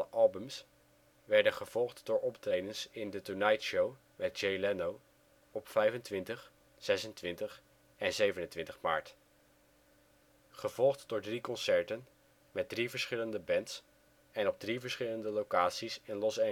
albums werden gevolgd door optredens in The Tonight Show met Jay Leno op 25, 26 en 27 maart. Gevolgd door drie concerten, met drie verschillende bands en op drie verschillende locaties in Los Angeles